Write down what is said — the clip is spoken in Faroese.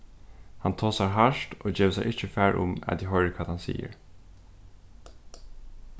hann tosar hart og gevur sær ikki far um at eg hoyri hvat hann sigur